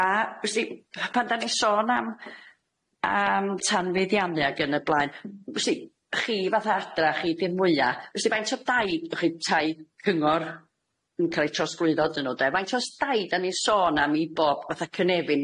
A wsdi pan dan ni sôn am am tanfeiddianu ag yn y blaen m- wsdi chi fath o adra chi di'n mwya. Wsdi faint o dai o'ch chi tai cyngor yn ca'l ei trosglwyddo dyn nw de? Faint o's dai da ni'n sôn am i bob fatha cynefin?